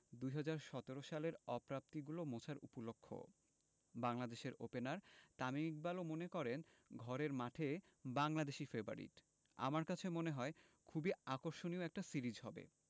২০১৭ সালের অপ্রাপ্তিগুলো মোছার উপলক্ষও বাংলাদেশের ওপেনার তামিম ইকবালও মনে করেন ঘরের মাঠে বাংলাদেশই ফেবারিট আমার কাছে মনে হয় খুবই আকর্ষণীয় একটা সিরিজ হবে